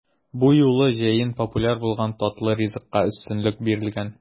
Бу юлы җәен популяр булган татлы ризыкка өстенлек бирелгән.